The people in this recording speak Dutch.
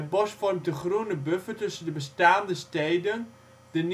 bos vormt een groene buffer tussen de bestaande steden, de